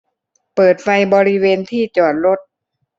เปิดไฟบริเวณที่จอดรถ